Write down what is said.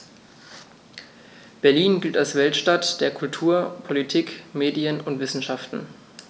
Berlin gilt als Weltstadt der Kultur, Politik, Medien und Wissenschaften.